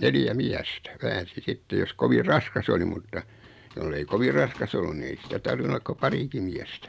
neljä miestä väänsi sitten jos kovin raskas oli mutta jos ei kovin raskas ollut niin ei sitä tarvinnut olla kuin parikin miestä